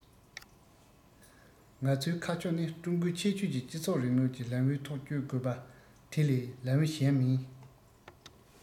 ང ཚོའི ཁ ཕྱོགས ནི ཀྲུང གོའི ཁྱད ཆོས ཀྱི སྤྱི ཚོགས རིང ལུགས ཀྱི ལམ བུའི ཐོག བསྐྱོད དགོས པ དེ ལས ལམ བུ གཞན མིན